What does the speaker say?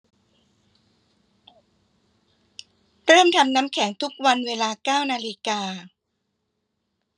เริ่มทำน้ำแข็งทุกวันเวลาเก้านาฬิกา